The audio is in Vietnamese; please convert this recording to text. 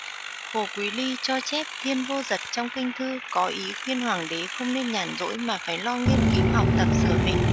hồ quý ly cho chép thiên vô dật trong kinh thư có ý khuyên hoàng đế không nên nhàn rỗi mà phải lo nghiên cứu học tập sửa mình